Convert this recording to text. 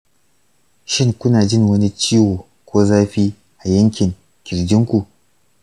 shin kuna jin wani ciwo ko zafi a yankin kirjinku?